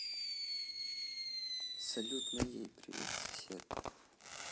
салют моей привет сосед